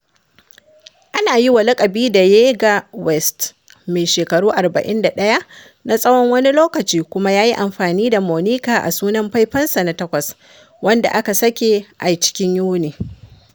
Ana yi wa lakabi da Ye ga West, mai shekaru 41 na tsawon wani lokaci kuma ya yi amfani da moniker a sunan faifansa na takwas, wanda aka sake a cikin Yuni.